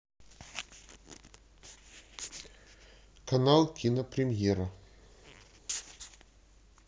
канал кинопремьера